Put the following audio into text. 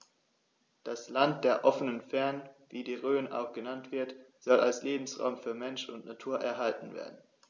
Das „Land der offenen Fernen“, wie die Rhön auch genannt wird, soll als Lebensraum für Mensch und Natur erhalten werden.